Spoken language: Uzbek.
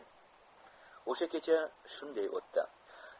o'sha kecha shunday o'tdi